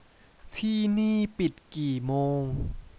ที่นี่ปิดกี่โมง